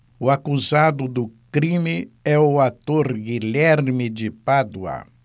o acusado do crime é o ator guilherme de pádua